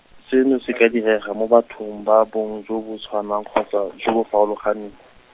seno se ka direga mo bathong ba bong jo botshwanang kgotsa, jo bo farologaneng.